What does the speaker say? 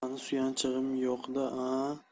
mani suyanchig'im yo'q da a